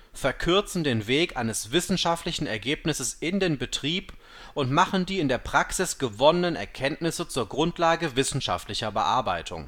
verkürzen den Weg eines wissenschaftlichen Ergebnisses in den Betrieb und machen die in der Praxis gewonnenen Erkenntnisse zur Grundlage wissenschaftlicher Bearbeitung